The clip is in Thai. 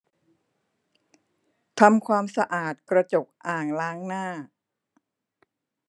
ทำความสะอาดกระจกอ่างล้างหน้า